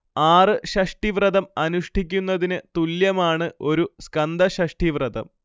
ആറ് ഷഷ്ഠിവ്രതം അനുഷ്ഠിക്കുന്നതിന് തുല്യമാണ് ഒരു സ്കന്ദഷഷ്ഠി വ്രതം